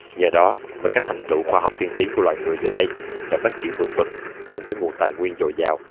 nhờ đó mà các thành tựu khoa học tiên tiến của loài người giờ đây đã phát triển vượt bậc cùng với nguồn tài nguyên dồi dào